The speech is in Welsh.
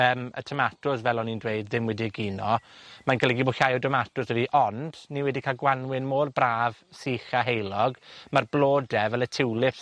yym, y tomatos, fel o'n i'n dweud, ddim wedi egino, mae'n golygu bo' llai o domatos 'da fi, ond ni wedi ca'l Gwanwyn mor braf, sych, a heulog, ma'r blode fel y tiwlips